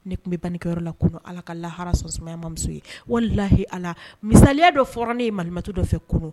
Ne tun be bankɛyɔrɔ la kunun Ala ka lahara sɔnsumaya an bamuso ye walahi Ala misaliya dɔ fɔra ne ye manimatu dɔ fɛ kunun